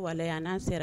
Wallahi a n'an sera.